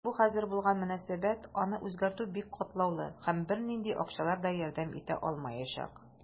Тик бу хәзер булган мөнәсәбәт, аны үзгәртү бик катлаулы, һәм бернинди акчалар да ярдәм итә алмаячак.